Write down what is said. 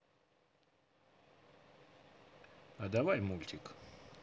а давай мультик